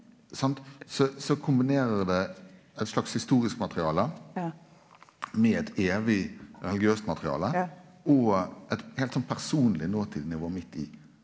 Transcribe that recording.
sant så så kombinerer det eit slags historisk materiale med eit evig religiøst materiale og eit heilt sånn personleg nåtidnivå midt i.